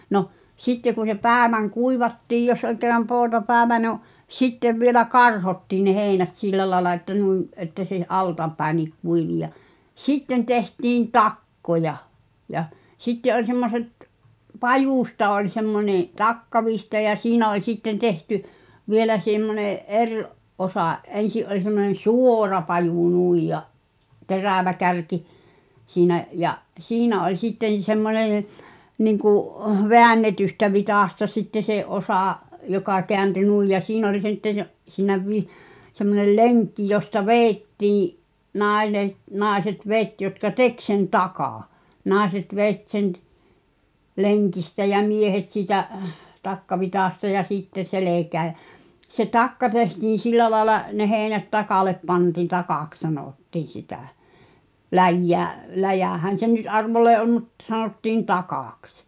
no sitten kun se päivän kuivattiin jos oli kerran poutapäivä no sitten vielä karhottiin ne heinät sillä lailla että noin että se altapäinkin kuivui ja sitten tehtiin takkoja ja sitten oli semmoiset pajusta oli semmoinen takkavitsa ja siinä oli sitten tehty vielä semmoinen eri osa ensi oli semmoinen suora paju noin ja terävä kärki siinä ja siinä oli sitten semmoinen niin kuin väännetystä vitsasta sitten se osa joka kääntyi noin ja siinä oli sitten se siinä - semmoinen lenkki josta vedettiin - naiset veti jotka teki sen takan naiset veti sen - lenkistä ja miehet siitä takkavitsasta ja sitten selkään ja se takka tehtiin sillä lailla ne heinät takalle pantiin takaksi sanottiin sitä - läjähän se nyt arvolleen on mutta sanottiin takaksi